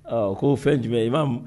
Ko fɛn jumɛn i'